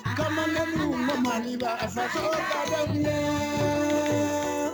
Kamalen mun ma la sa deli la